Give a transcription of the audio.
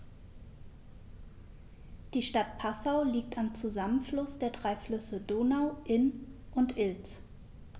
Die Stadt Passau liegt am Zusammenfluss der drei Flüsse Donau, Inn und Ilz.